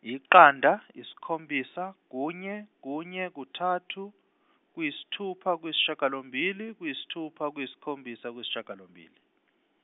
iqanda isikhombisa kunye kunye kuthathu, kuyisithupha kuyisishiyagalombili kuyisithupha kuyisikhombisa kuyisishiyagalombili.